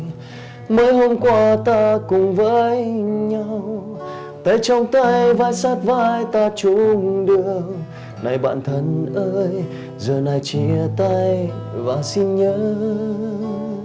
mới hôm qua ta cùng với nhau tay trong tay vai sát vai ta chung đường này bạn thân ơi giờ này chia tay và xin nhớ